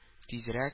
Тизрәк